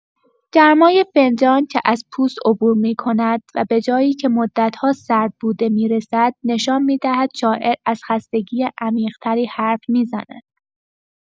گرمای فنجان که از پوست عبور می‌کند و به «جایی که مدت‌ها سرد بوده» می‌رسد، نشان می‌دهد شاعر از خستگی عمیق‌تری حرف می‌زند؛